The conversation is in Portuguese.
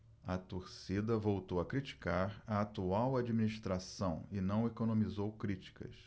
a torcida voltou a criticar a atual administração e não economizou críticas